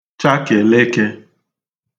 chakèlekē